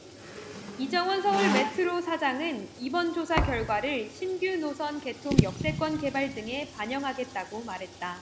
이정원 서울메트로 사장은 이번 조사 결과를 신규노선 개통 역세권 개발 등에 반영하겠다고 말했다